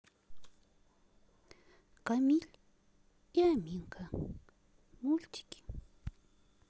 камиль и аминка мультики